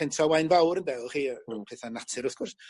Pentra Owain Fawr ynde wch chi yy mewn petha natur wrth gwrs.